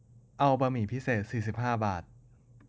เอาบะหมี่พิเศษสี่สิบห้าบาท